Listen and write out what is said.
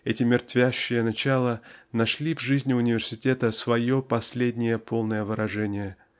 Эти мертвящие начала нашли в жизни университета свое последнее полное выражение